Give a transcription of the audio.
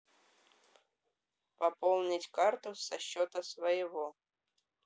пополнить карту со счета своего